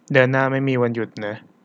เดือนหน้าไม่มีวันหยุดนะ